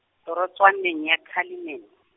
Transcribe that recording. torotswaneng ya Cullinan .